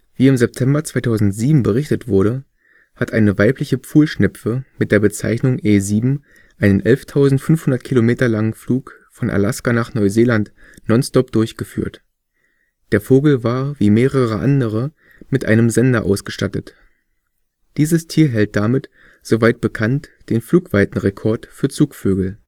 Wie im September 2007 berichtet wurde, hat eine weibliche Pfuhlschnepfe mit der Bezeichnung E7 einen 11.500 Kilometer langen Flug von Alaska nach Neuseeland nonstop durchgeführt. Der Vogel war wie mehrere andere mit einem Sender ausgestattet. Dieses Tier hält damit, soweit bekannt, den Flugweitenrekord für Zugvögel